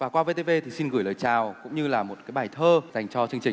và qua vê tê vê thì xin gửi lời chào cũng như là một cái bài thơ dành cho chương trình